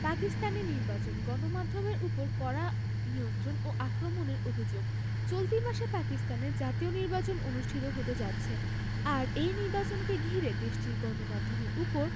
পাকিস্তানে নির্বাচন গণমাধ্যমের ওপর কড়া নিয়ন্ত্রণ ও আক্রমণের অভিযোগ চলতি মাসে পাকিস্তানে জাতীয় নির্বাচন অনুষ্ঠিত হতে যাচ্ছে আর এই নির্বাচনকে ঘিরে দেশটির গণমাধ্যমের ওপর